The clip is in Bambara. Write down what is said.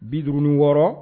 Bid wɔɔrɔ